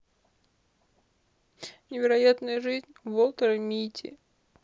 невероятная жизнь уолтера митти